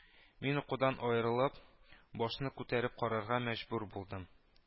Мин, укудан аерылып, башны күтәреп карарга мәҗбүр булдым